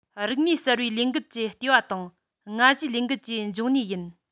རིག གནས གསར པའི ལས འགུལ གྱི ལྟེ བ དང ལྔ བཞིའི ལས འགུལ གྱི འབྱུང གནས ཡིན